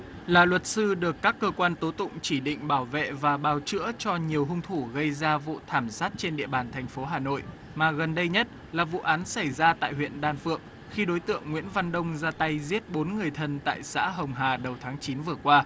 là luật sư được các cơ quan tố tụng chỉ định bảo vệ và bào chữa cho nhiều hung thủ gây ra vụ thảm sát trên địa bàn thành phố hà nội mà gần đây nhất là vụ án xảy ra tại huyện đan phượng khi đối tượng nguyễn văn đông ra tay giết bốn người thân tại xã hồng hà đầu tháng chín vừa qua